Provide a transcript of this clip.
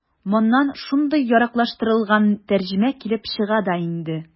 Моннан шундый яраклаштырылган тәрҗемә килеп чыга да инде.